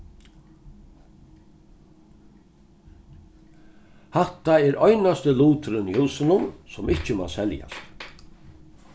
hatta er einasti luturin í húsinum sum ikki má seljast